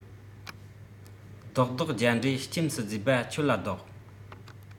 བཟློག བཟློག རྒྱ འདྲེ སྐྱེམས སུ བརྫུས པ ཁྱོད ལ བཟློག